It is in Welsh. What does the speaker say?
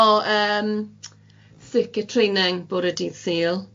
O, yym, sircyt treining bore dydd Sul